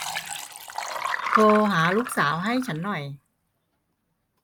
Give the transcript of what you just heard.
โทรหาลูกสาวฉันให้หน่อย